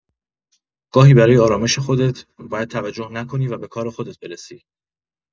گاهی برای آرامش خودت، باید توجه نکنی و به کار خودت برسی.